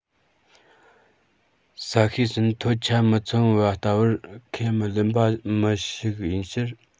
ས གཤིས ཟིན ཐོ ཆ མི ཚང བའི ལྟ བར ཁས མི ལེན པའི མི ཞིག ཡིན ཕྱིན